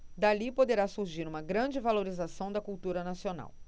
dali poderá surgir uma grande valorização da cultura nacional